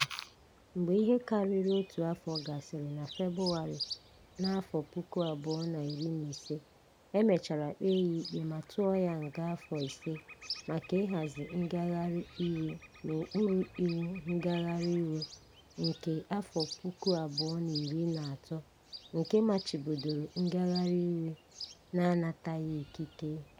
Mgbe ihe karịrị otu afọ gasịrị, na Febụwarị 2015, e mechara kpee ya ikpe ma tụọ ya nga afọ ise maka "ịhazi" ngagharị iwe n'okpuru iwu ngagharị iwe nke 2013 nke machibidoro ngagharị iwe na-anataghị ikike.